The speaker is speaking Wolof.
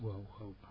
waaw waaw